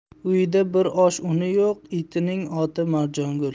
uyida bir osh uni yo'q itining oti marjongul